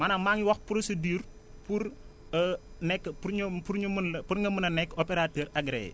maanaam maa ngi wax procédure pour nekk pour ñu mën la pour nga mën a nekk opérateur agréé